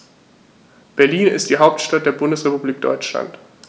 Berlin ist die Hauptstadt der Bundesrepublik Deutschland.